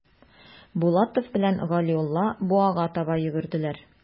Булатов белән Галиулла буага таба йөгерделәр.